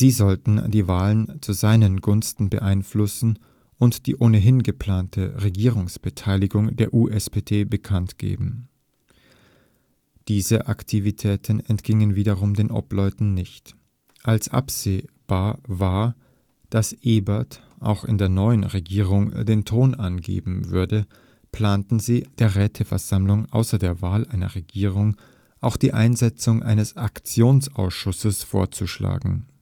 sollten die Wahlen zu seinen Gunsten beeinflussen und die ohnehin geplante Regierungsbeteiligung der USPD bekannt geben. Diese Aktivitäten entgingen wiederum den Obleuten nicht. Als absehbar war, dass Ebert auch in der neuen Regierung den Ton angeben würde, planten sie, der Räteversammlung außer der Wahl einer Regierung auch die Einsetzung eines Aktionsausschusses vorzuschlagen